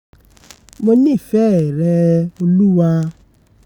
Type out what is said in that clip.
Mo nífẹ̀ẹ́-ẹ̀ rẹ olúwa!